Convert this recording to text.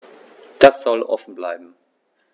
Das soll offen bleiben.